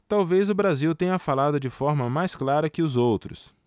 talvez o brasil tenha falado de forma mais clara que os outros